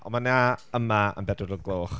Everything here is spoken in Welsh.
Ond mae 'na yma, am bedwar o'r gloch...